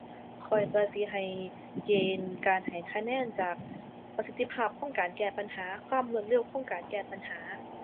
ข้อยก็สิให้เกณฑ์การให้คะแนนจากประสิทธิภาพของการแก้ปัญหา ความรวดเร็วของการแก้ปัญหา